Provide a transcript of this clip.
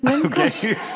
ok.